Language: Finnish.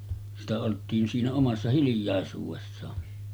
sitä oltiin siinä omassa hiljaisuudessaan